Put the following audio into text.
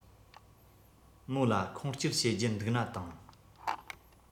མོ ལ ཁུངས སྐྱེལ བྱེད རྒྱུ འདུག ན དང